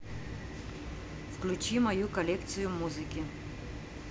включи мою коллекцию музыки